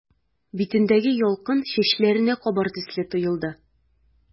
Битендәге ялкын чәчләренә кабар төсле тоелды.